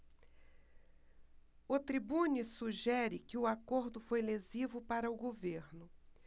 o tribune sugere que o acordo foi lesivo para o governo